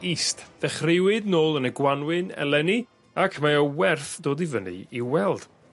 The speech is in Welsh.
East ddechreuwyd nôl yn y gwanwyn eleni ac mae o werth dod i fyny i'w weld.